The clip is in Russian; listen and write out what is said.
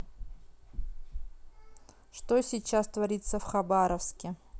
что сейчас творится в хабаровске